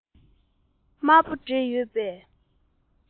དམར པོ འདྲེས ཡོད པས